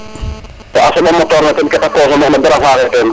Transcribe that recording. te a soɓa moteur ne ten kete consommer na dara faxe ten